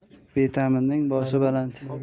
beta'maning boshi baland